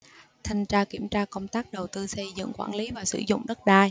thanh tra kiểm tra công tác đầu tư xây dựng quản lý và sử dụng đất đai